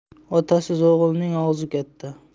otasiz o'g'ilning og'zi katta